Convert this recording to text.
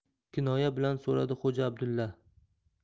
kinoya bilan so'radi xo'ja abdulla